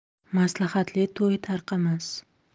maslahatli to'y tarqamas